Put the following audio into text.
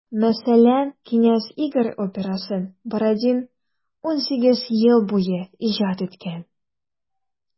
Мәсәлән, «Кенәз Игорь» операсын Бородин 18 ел буе иҗат иткән.